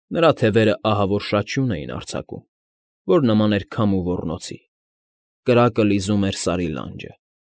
Նրա թևերը ահավոր շաչյուն էին արձակում, որ նման էր քամու ոռնոցի, կրակը լիզում էր Սարի լանջը։